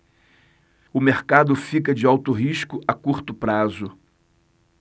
o mercado fica de alto risco a curto prazo